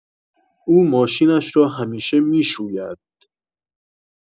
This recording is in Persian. او ماشینش را همیشه می‌شوید